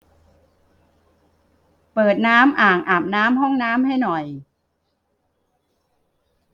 เปิดน้ำอ่างอาบน้ำห้องน้ำให้หน่อย